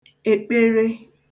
èkpere